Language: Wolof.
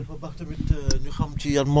ñu xam ne tamit binage boobu